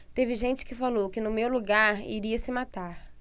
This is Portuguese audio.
teve gente que falou que no meu lugar iria se matar